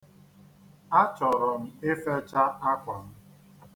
Achọrọ m ifecha akwa m.